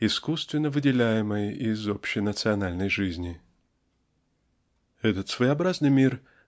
искусственно выделяемой из общенациональной жизни. Этот своеобразный мир